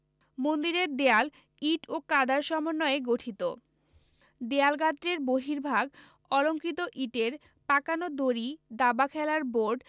মন্দিরের দেয়াল ইট ও কাদার সমন্বয়ে গঠিত দেয়ালগাত্রের বহির্ভাগ অলঙ্কৃত ইটের পাকানো দড়ি দাবা খেলার বোর্ড